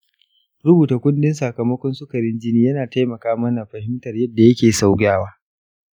rubuta kundin sakamakon sukarin jini yana taimaka mana fahimtar yadda yake sauyawa.